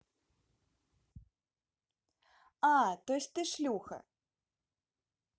а то есть ты шлюха